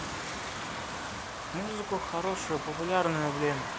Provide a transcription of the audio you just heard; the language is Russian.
музыку хорошую популярную блин